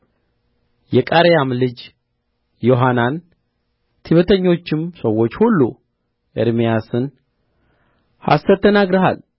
የቃሬያም ልጅ ዮሐናን ትዕቢተኞችም ሰዎች ሁሉ ኤርምያስን ሐሰት ተናግረሃል